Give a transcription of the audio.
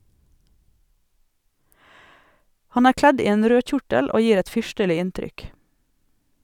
Han er kledd i en rød kjortel og gir et fyrstelig inntrykk.